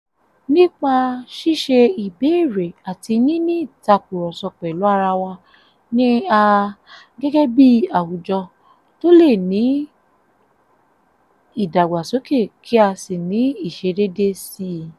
Nípa ṣíṣe ìbéèrè àti níní ìtàkúrọ̀sọ̀ pẹ̀lú ara wa ni a, gẹ́gẹ́ bíi àwùjọ, tó lè ní ìdàgbàsókè kí á sì ní ìṣedéédé síi.